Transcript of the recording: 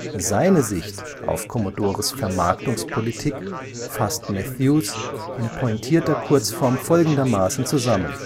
Seine Sicht auf Commodores Vermarktungspolitk fasst Matthews in pointierter Kurzform folgendermaßen zusammen